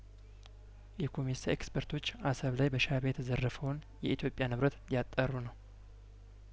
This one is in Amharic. የኮሜሳ ኤክስፐርቶች አሰብ ላይ በሻእቢያ የተዘረፈውን የኢትዮጵያ ንብረት ሊያጣሩ ነው